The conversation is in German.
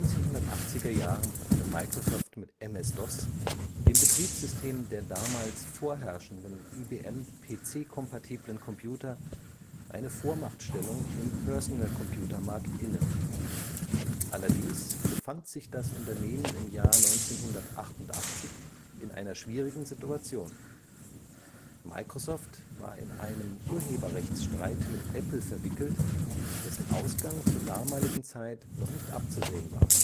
1980er-Jahren hatte Microsoft mit MS-DOS, dem Betriebssystem der damals vorherrschenden IBM-PC-kompatiblen Computer, eine Vormachtstellung im Personal-Computer-Markt inne. Allerdings befand sich das Unternehmen im Jahr 1988 in einer schwierigen Situation. Microsoft war in einem Urheberrechtsstreit mit Apple verwickelt, dessen Ausgang zur damaligen Zeit noch nicht abzusehen war